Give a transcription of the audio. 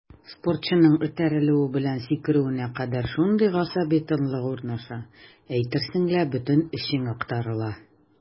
Спортчының этәрелүе белән сикерүенә кадәр шундый гасаби тынлык урнаша, әйтерсең лә бөтен эчең актарыла.